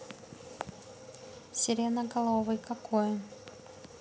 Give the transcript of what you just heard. сиреноголовый какое